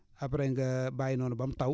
après nga bàyyi noonu ba mu taw